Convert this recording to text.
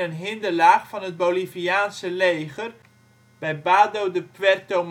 hinderlaag van het Boliviaanse leger bij Vado de Puerto